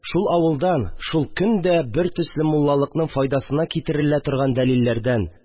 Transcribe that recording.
Шул авылдан, шул көн дә бертөсле муллалыкның файдасына китерелә торган дәлилләрдән